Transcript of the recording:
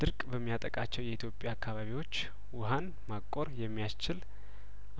ድርቅ በሚያጠቃቸው የኢትዮጵያ አካባቢዎች ውሀን ማቆር የሚያስችል